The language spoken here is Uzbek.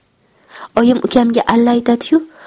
oyim ukamga alla aytadi yu